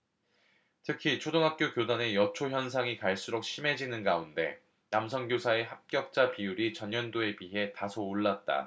특히 초등학교 교단의 여초 현상이 갈수록 심해지는 가운데 남성 교사의 합격자 비율이 전년도에 비해 다소 올랐다